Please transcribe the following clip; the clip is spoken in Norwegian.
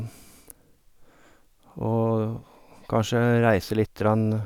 Og kanskje reise lite grann.